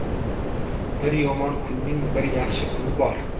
bir yomon kunning bir yaxshi kuni bor